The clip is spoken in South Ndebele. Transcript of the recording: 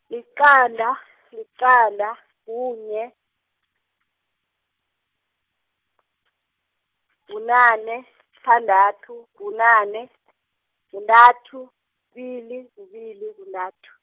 liqanda , liqanda, kunye, bunane, sithandathu, bunane, kuntathu, kubili, kubili, kuntathu.